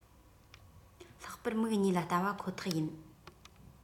ལྷག པར མིག གཉིས ལ བལྟ བ ཁོ ཐག ཡིན